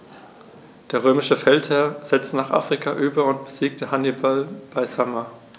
Der römische Feldherr setzte nach Afrika über und besiegte Hannibal bei Zama.